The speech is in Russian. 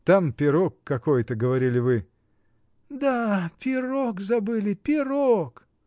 Там пирог какой-то, говорили вы. — Да, пирог забыли, пирог!